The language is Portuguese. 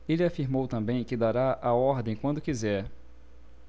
ele afirmou também que dará a ordem quando quiser